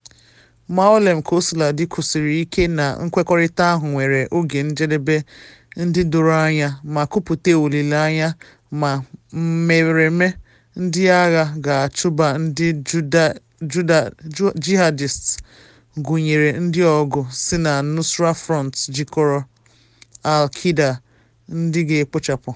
Moualem kaosiladị kwụsịrị ike na nkwekọrịta ahụ nwere “oge njedebe ndị doro anya” ma kwupute olile anya na mmereme ndị agha ga-achụba ndị jihadist gụnyere ndị ọgụ si na Nusra Front jikọrọ al-Qaeda, ndị “ ga-ekpochapụ.”